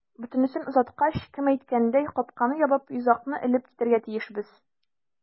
Бөтенесен озаткач, кем әйткәндәй, капканы ябып, йозакны элеп китәргә тиешбез.